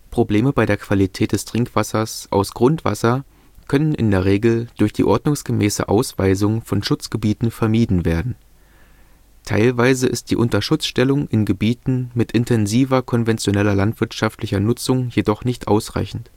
Probleme bei der Qualität des Trinkwassers aus Grundwasser können in der Regel durch die ordnungsgemäße Ausweisung von Schutzgebieten vermieden werden. Teilweise ist die Unterschutzstellung in Gebieten mit intensiver konventioneller landwirtschaftlicher Nutzung jedoch nicht ausreichend